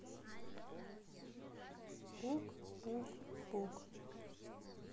пук пук пук